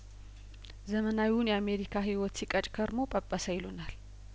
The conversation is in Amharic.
ዘመናዊውን የአምሪ ካ ሂ ዎት ሲቀጭ ከርሞ ጰጰሰ ይሉናል